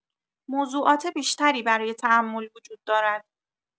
موضوعات بیشتری برای تامل وجود دارد.